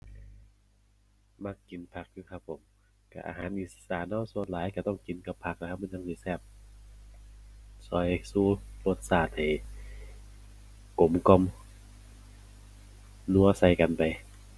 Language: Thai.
มักกินผักอยู่ครับผม ก็อาหารอีสานก็ส่วนหลายก็ต้องกินกับผักล่ะครับ มันจั่งสิแซ่บ ก็ก็รสชาติให้กลมกล่อม นัวใส่กันไป